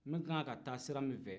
n'u kan ka taa sira min fɛ